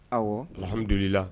Ɔwɔhamidulila